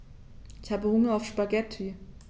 Ich habe Hunger auf Spaghetti.